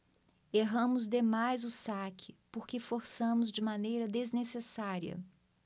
erramos demais o saque porque forçamos de maneira desnecessária